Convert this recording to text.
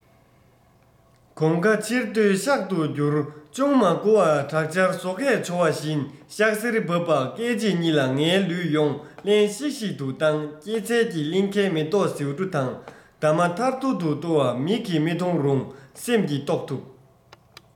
གོམ ཁ ཕྱིར སྡོད ཤག ཏུ བསྒྱུར ཅང མ འགོར པར དྲག ཆར ཟོ ཁས བྱོ བ བཞིན ཤག སེར བབས པ སྐད ཅིག ཉིད ལ ངའི ལུས ཡོངས བརླན ཤིག ཤིག ཏུ བཏང སྐྱེད ཚལ གྱི གླིང གའི མེ ཏོག ཟེའུ འབྲུ དང འདབ མ ཐར ཐོར དུ གཏོར བ མིག གིས མི མཐོང རུང སེམས ཀྱིས རྟོགས ཐུབ